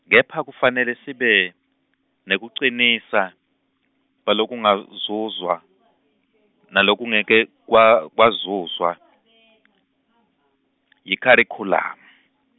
kepha kufanele sibe, nebucinisa, balokungazuzwa, nalokungekekwa- kwazuzwa , yikharikhulamu.